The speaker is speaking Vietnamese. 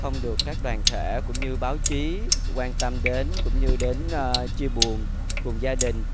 không được các đoàn thể cũng như báo chí quan tâm đến cũng như đến ờ chia buồn cùng gia đình